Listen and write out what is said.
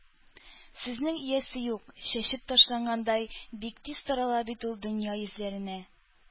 Сүзнең иясе юк, чәчеп ташлагандай, бик тиз тарала бит ул дөнья йөзләренә.